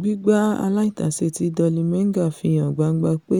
Gbígbá aláìtàsé ti Dolly Menga fihàn gbangba pé